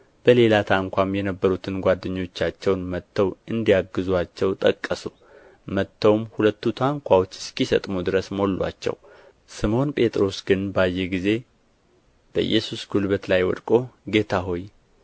በሌላ ታንኳም የነበሩትን ጓደኞቻቸውን መጥተው እንዲያግዙአቸው ጠቀሱ መጥተውም ሁለቱ ታንኳዎች እስኪሰጥሙ ድረስ ሞሉአቸው ስምዖን ጴጥሮስ ግን ባየ ጊዜ በኢየሱስ ጕልበት ላይ ወድቆ ጌታ ሆይ